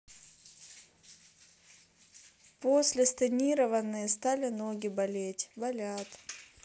после стентированные стали ноги болеть болят